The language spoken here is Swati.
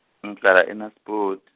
ngihlala eNasipoti.